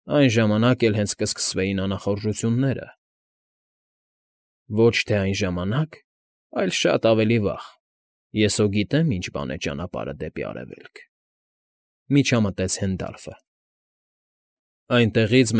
Այն ժամանակ էլ հենց կսկսվեին անախորժությունները… ֊ Ոչ թե այն ժամանակ, այլ շատ ավելի վաղ, ես հո գիտեմ ինչ բան է ճանապարհը դեպի Արևելք,֊ միջամտեց Հենդալֆը։ ֊Այնտեղից։